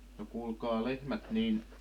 no kuulkaa lehmät niin